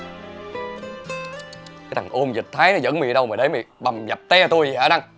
cái thằng ôn dịch thái nó dẫn mày đi đâu mà để mày bầm dập te tua dậy hả đăng